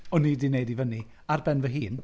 O'n i 'di wneud hi fyny, ar ben fy hun.